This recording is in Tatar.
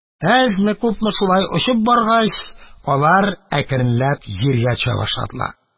Әзме-күпме шулай очып баргач, алар әкренләп җиргә төшә башладылар.